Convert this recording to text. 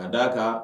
Ka da kan